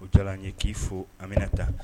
O jɔ an ye k'i fo anmina taa